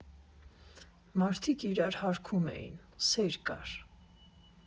Մարդիկ իրար հարգում էին, սեր կար։